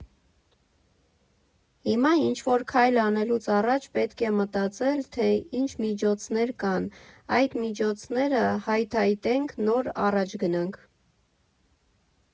Հիմա ինչ֊որ քայլ անելուց առաջ պետք է մտածել, թե ինչ միջոցներ կան, այդ միջոցները հայթայթենք, նոր առաջ գնանք։